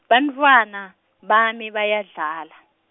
bantfwana, bami bayadlala.